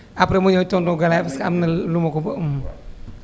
après ma ñëw ci tonton Galaye parce que am na lu ma ko bë